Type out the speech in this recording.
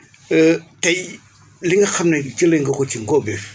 tey li nga xam ne jëlee nga ko ci ngóobeef